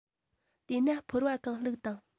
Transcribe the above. དེ ན ཕོར བ གང བླུགས དང